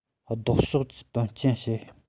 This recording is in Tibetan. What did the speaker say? ལྡོག ཕྱོགས ཀྱི དོན རྐྱེན བཤད